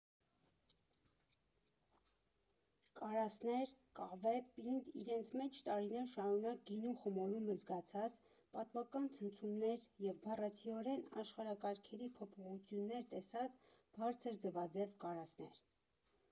Կարասներ, կավե, պինդ, իրենց մեջ տարիներ շարունակ գինու խմորումը զգացած, պատմական ցնցումներ և, բառացիորեն, աշխարհակարգերի փոփոխություններ տեսած, բարձր, ձվաձև կարասներ։